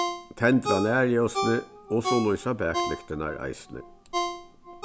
tendra nærljósini og so lýsa baklyktirnar eisini